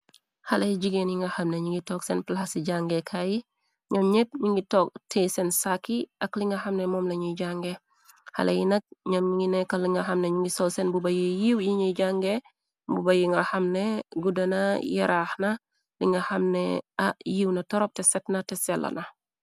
Xaleyi jigeen yi nga xamne ñi ngi toog seen palaa ci jàngee kaay ñam ñépp ñingi togg tee seen sàkki ak linga xamne moom lañuy jàngee xale yi nag ñam ngi neeka linga xamne ñu ngi soo seen buba yi yiiw yi ñuy jàngee buba yi nga xamne gudana yaraax na linga xamne yiiw na torop te setna te sellana.